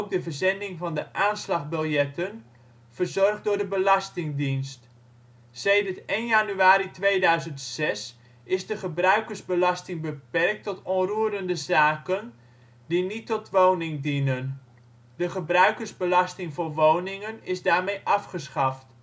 de verzending van de aanslagbiljetten), verzorgd door de belastingdienst. Sedert 1 januari 2006 is de gebruikersbelasting beperkt tot onroerende zaken die niet tot woning dienen. De gebruikersbelasting voor woningen is daarmee afgeschaft